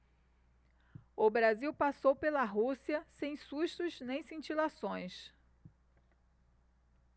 o brasil passou pela rússia sem sustos nem cintilações